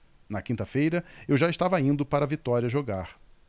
na quinta-feira eu já estava indo para vitória jogar